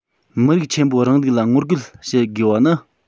མི རིགས ཆེན པོ རིང ལུགས ལ ངོ རྒོལ བྱེད དགོས པ ནི